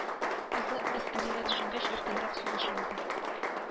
Кызы мәсьәләгә төшенгәч иркенрәк сулыш алды